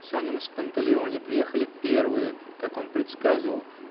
Санин с Панталеоне приехали первые, как он предсказывал